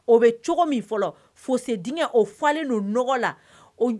O bɛ cogo min fo denkɛ o falenlen